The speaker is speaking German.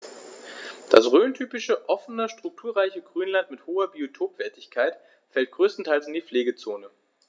Das rhöntypische offene, strukturreiche Grünland mit hoher Biotopwertigkeit fällt größtenteils in die Pflegezone.